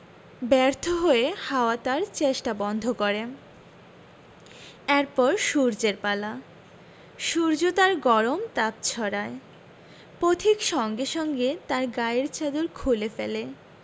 ব্যর্থ হয়ে হাওয়া তার চেষ্টা বন্ধ করে এর পর সূর্যের পালা সূর্য তার গরম তাপ ছড়ায় পথিক সঙ্গে সঙ্গে তার গায়ের চাদর খুলে ফেলে